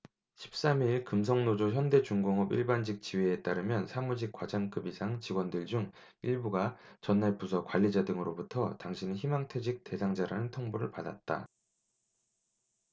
십 삼 일 금속노조 현대중공업 일반직지회에 따르면 사무직 과장급 이상 직원들 중 일부가 전날 부서 관리자 등으로부터 당신은 희망퇴직 대상자라는 통보를 받았다